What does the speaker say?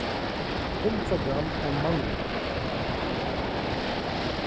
hundrað gramm av mandlum